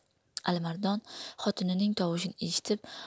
alimardon xotinining tovushini eshitib